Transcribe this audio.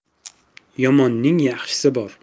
yomonning yaxshisi bor